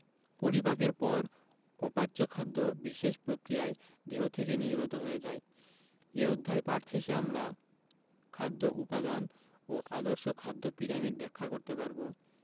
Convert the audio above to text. পরিপাকের পর অপাচ্য খাদ্য বিশেষ প্রক্রিয়ায় দেহ থেকে নির্গত হয়ে যায় এ অধ্যায় পাঠ শেষে আমরা খাদ্য উপাদান ও আদর্শ খাদ্য পিরামিড ব্যাখ্যা করতে পারব